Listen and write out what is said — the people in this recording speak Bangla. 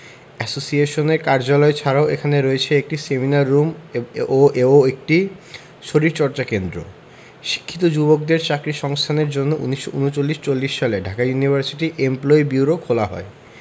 এসোসিয়েশনের কার্যালয় ছাড়াও এখানে রয়েছে একটি সেমিনার রুম ও একটি শরীরচর্চা কেন্দ্র শিক্ষিত যুবকদের চাকরির সংস্থানের জন্য ১৯৩৯ ৪০ সালে ঢাকা ইউনিভার্সিটি ইমপ্লয়ি বিউরো খোলা হয়